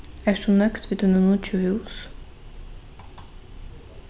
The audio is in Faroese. ert tú nøgd við tíni nýggju hús